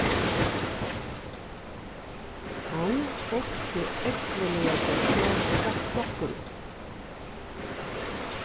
hann hugdi ógvuliga gjølla at klokkuni